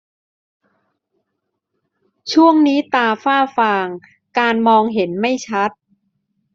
ช่วงนี้ตาฝ้าฟางการมองเห็นไม่ชัด